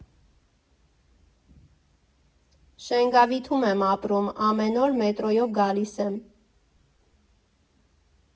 Շենգավիթում եմ ապրում, ամեն օր մետրոյով գալիս եմ։